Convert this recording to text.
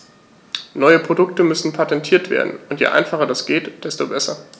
Neue Produkte müssen patentiert werden, und je einfacher das geht, desto besser.